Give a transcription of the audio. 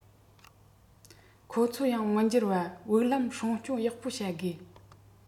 ཁོང ཚོ ཡང མི འགྱུར བ སྦུག ལམ སྲུང སྐྱོང ཡག པོ བྱ དགོས